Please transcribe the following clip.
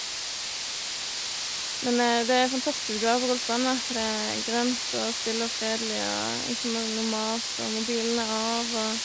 Men det er fantastisk å være på golfbanen, da, for det er grønt og stille og fredelig og ikke ma noe mas, og mobilen er av, og...